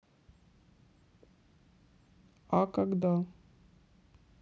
а когда